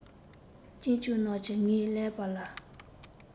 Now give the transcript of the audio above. གཅེན གཅུང རྣམས ཀྱིས ངའི ཀླད པ ལ